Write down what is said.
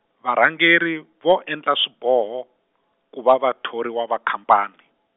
varhangeri vo endla swiboho, ku va vathoriwa va khamphani.